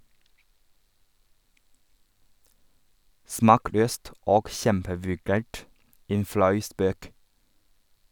- Smakløst og kjempevulgært, en flau spøk.